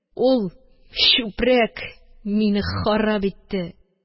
Ул чүпрәк, мине харап итте